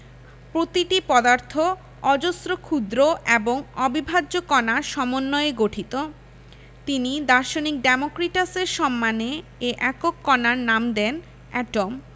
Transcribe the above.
প্রতিটি পদার্থ অজস্র ক্ষুদ্র এবং অবিভাজ্য কণার সমন্বয়ে গঠিত তিনি দার্শনিক ডেমোক্রিটাসের সম্মানে এ একক কণার নাম দেন এটম